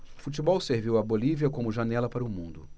o futebol serviu à bolívia como janela para o mundo